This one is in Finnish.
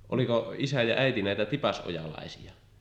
oliko isä ja äiti näitä Tipasojalaisia